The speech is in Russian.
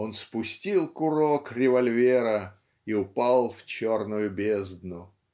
он спустил курок револьвера и упал в черную бездну.